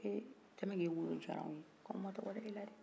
eh tellement que e wolo diyar'anw ye k'anw ma tɔgɔ d'e la dɛ